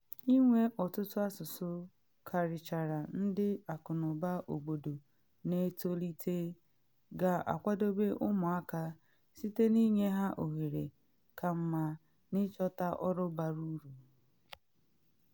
Ịnwe ọtụtụ asụsụ, karịchara ndị akụnụba obodo na etolite, ga-akwadobe ụmụaka site na ịnye ha ohere ka mma na ịchọta ọrụ bara uru.